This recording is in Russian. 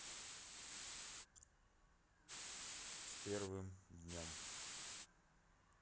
с первым днем